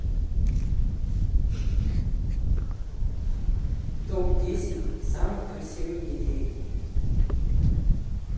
топ десять самых красивых детей